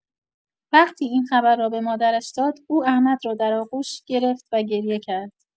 وقتی این خبر را به مادرش داد، او احمد را در آغوش گرفت و گریه کرد.